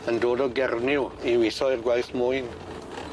yn dod o Gernyw i witho i'r gwaith mwyn.